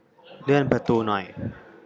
เลื่อนประตูหน่อย